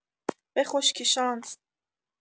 بخشکی شانس